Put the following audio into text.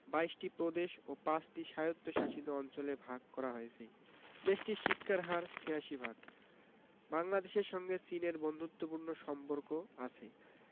২২ টি প্রদেশ ও ৫ টি স্বায়ত্তশাসিত অঞ্চলে ভাগ করা হয়েছে দেশটির শিক্ষার হার ৮৬ ভাগ বাংলাদেশের সঙ্গে চীনের বন্ধুত্বপূর্ণ সম্পর্ক আছে